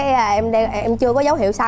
cái em chưa có dấu hiệu